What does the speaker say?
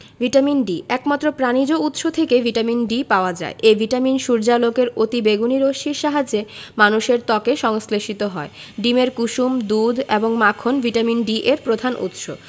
vitamin D একমাত্র প্রাণিজ উৎস থেকেই ভিটামিন D পাওয়া যায় এই ভিটামিন সূর্যালোকের অতিবেগুনি রশ্মির সাহায্যে মানুষের ত্বকে সংশ্লেষিত হয় ডিমের কুসুম দুধ এবং মাখন ভিটামিন D এর প্রধান উৎস